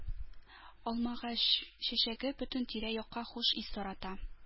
Алмагач чәчәге бөтен тирә-якка хуш ис тарата.